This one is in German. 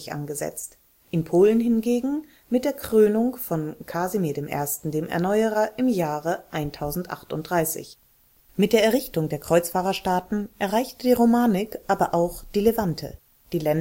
angesetzt. In Polen hingegen mit der Krönung von Kasimir I. dem Erneuerer im Jahre 1038. Mit der Errichtung der Kreuzfahrerstaaten erreichte die Romanik aber auch die Levante. Steinerne Bibel, Apsis der Pfarrkirche Schöngrabern in Niederösterreich Die